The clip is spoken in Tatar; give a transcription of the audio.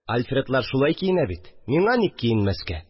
Альфредлар шулай киенә бит, миңа ник киенмәскә